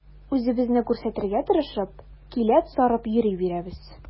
Үзебезне күрсәтергә тырышып, киләп-сарып йөри бирәбез.